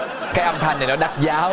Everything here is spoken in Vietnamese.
cái âm thanh này nó đắt giá quá